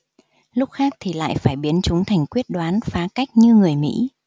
lúc khác thì lại phải biến chúng thành quyết đoán phá cách như người mỹ